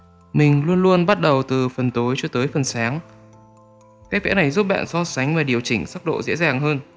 mình luôn luôn bắt đầu từ phần tối tới phần sáng cách vẽ này giúp bạn điều chỉnh sắc độ và ánh sáng dễ dàng hơn